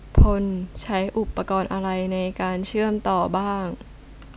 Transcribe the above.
พลใช้อุปกรณ์อะไรในการเชื่อมต่อบ้าง